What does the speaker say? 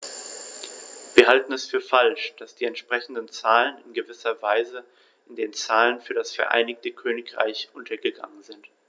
Wir halten es für falsch, dass die entsprechenden Zahlen in gewisser Weise in den Zahlen für das Vereinigte Königreich untergegangen sind.